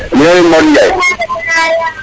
miyo mi Modou Ndiaye